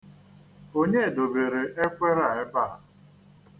Onye dobere ekwere a ebea?